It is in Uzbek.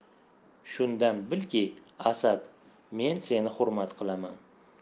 shundan bilki asad men seni hurmat qilaman